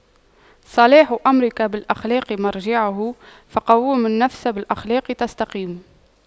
صلاح أمرك بالأخلاق مرجعه فَقَوِّم النفس بالأخلاق تستقم